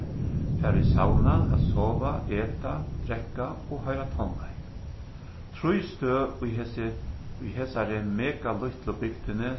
fara í sauna at sova eta drekka og hoyra tónleik trý støð í hesi í hesari mega lítlu bygdini